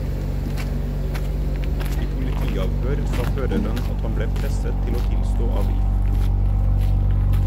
I politiavhør sa føreren at han ble presset til å tilstå av If.